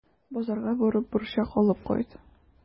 Базарга барып, борчак алып кайт.